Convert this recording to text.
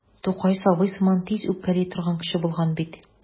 Тукай сабый сыман тиз үпкәли торган кеше булган бит.